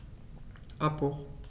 Abbruch.